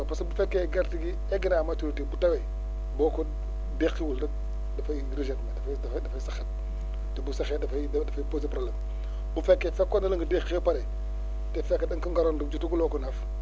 parce que bu_ fekkee gerte gi egg na à maturité bu tawee boo ko deqiwul dafay regermer waat dafay dafay saxaat te bu saxee dafay dafay poser problème bu fekkee fekkoon na la nga deqi ba pare te fekk da nga ko ngaroon rek jotaguloo ko naaf